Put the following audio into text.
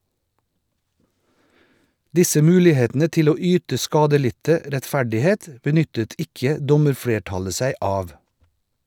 Disse mulighetene til å yte skadelidte rettferdighet, benyttet ikke dommerflertallet seg av.